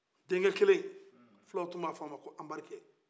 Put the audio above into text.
denkɛ kelen filaw tun bɛ a fɔ a ma ko anbarikɛ